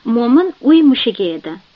mo'min uy mushugi edi